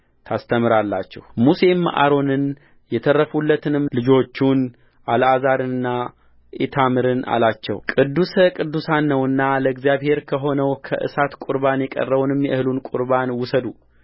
ታስተምራላችሁሙሴም አሮንን የተረፉለትንም ልጆቹን አልዓዛርንና ኢታምርን አላቸው ቅዱስ ቅዱሳን ነውና ለእግዚአብሔር ከሆነው ከእሳት ቁርባን የቀረውን የእህሉን ቁርባን ውሰዱ